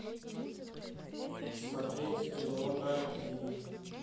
смотреть кино на иви